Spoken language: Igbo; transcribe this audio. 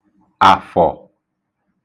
Àfọ̀